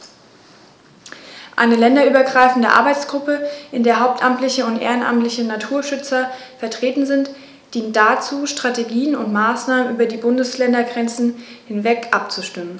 Eine länderübergreifende Arbeitsgruppe, in der hauptamtliche und ehrenamtliche Naturschützer vertreten sind, dient dazu, Strategien und Maßnahmen über die Bundesländergrenzen hinweg abzustimmen.